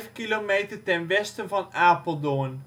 kilometer ten westen van Apeldoorn